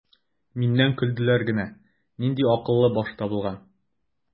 Миннән көлделәр генә: "Нинди акыллы баш табылган!"